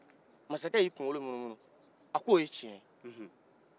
masakɛ y'i kunkolo munumunu a ko ye ciɲen ye